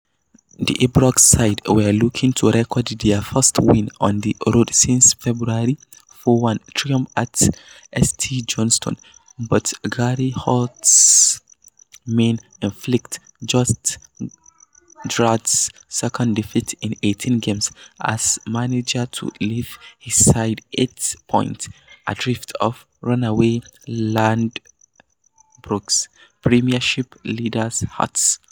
The Ibrox side were looking to record their first win on the road since February's 4-1 triumph at St Johnstone, but Gary Holt's team inflicted just Gerrard's second defeat in 18 games as manager to leave his side eight points adrift of runaway Ladbrokes Premiership leaders Hearts.